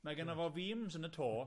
Mae gynno fo feams yn y to.